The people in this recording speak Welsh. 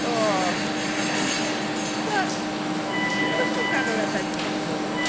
Eurgh, that's the thing, but...fyswn i'n gadael e bench preso fi.